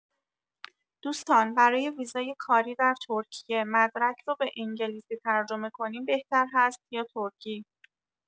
دوستان، برای ویزای کاری در ترکیه، مدرک رو به انگلیسی ترجمه کنیم بهتر هست یا ترکی؟